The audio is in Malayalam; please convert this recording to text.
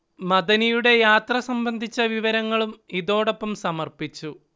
മദനിയുടെ യാത്ര സംബന്ധിച്ച വിവരങ്ങളും ഇതോടൊപ്പം സമർപ്പിച്ചു